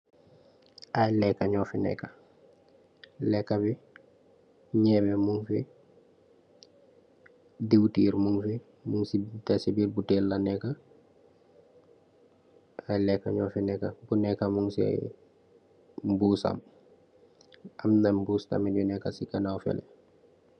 Ayy leka nyofi neka, Leka bii nyebeh munge fii, dewtirr munge fii si birr butail la neka ayy leka nyofe neka Bu neka mung si mbusam. Amna mbuss tam yu neka si ganaw feleh